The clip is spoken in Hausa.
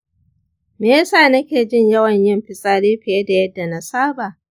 me yasa nake yawan yin fitsari fiye da yadda na saba?